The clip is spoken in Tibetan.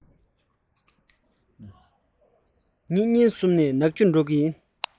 ཉིན གཉིས གསུམ ནས ནག ཆུར འགྲོ གི ཡིན